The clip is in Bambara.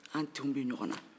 an tinw bɛ ɲɔgɔn na